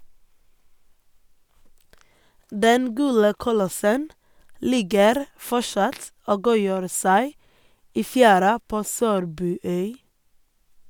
Den gule kolossen ligger fortsatt og godgjør seg i fjæra på Sørbuøy.